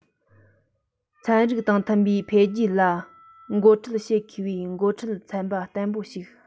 ཚན རིག དང མཐུན པའི འཕེལ རྒྱས ལ འགོ ཁྲིད བྱེད མཁས པའི འགོ ཁྲིད ཚན པ བརྟན པོ ཞིག